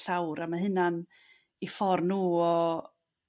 llawr a ma' huna'n 'u ffor' nhw o